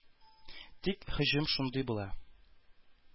Тик “һөҗүм” шундый була